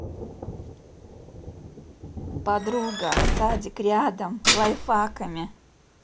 подруга садик рядом лайфхаками